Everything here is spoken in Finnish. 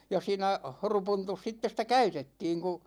ja siinä horupuntussa sitten sitä käytettiin kun